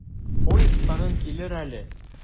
Поезд тагын килер әле.